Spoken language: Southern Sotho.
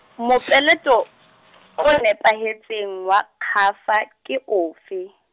mopeleto o nepahetseng wa kgafa, ke ofe?